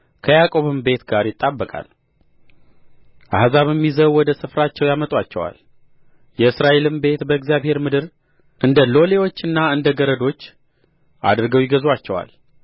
ከያዕቆብም ቤት ጋር ይጣበቃል አሕዛብም ይዘው ወደ ስፍራቸው ያመጡአቸዋል የእስራኤልም ቤት በእግዚአብሔር ምድር እንደ ሎሌዎችና እንደ ገረዶች አድርገው ይገዙአቸዋል